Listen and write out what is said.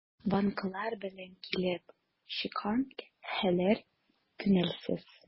Банклар белән килеп чыккан хәлләр күңелсез.